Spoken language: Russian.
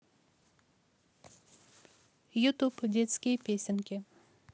ютуб детские песенки